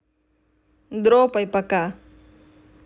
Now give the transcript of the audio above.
дропай пока